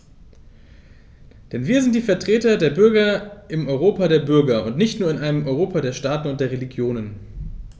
Denn wir sind die Vertreter der Bürger im Europa der Bürger und nicht nur in einem Europa der Staaten und der Regionen.